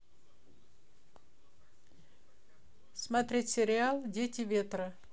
смотреть сериал дети ветра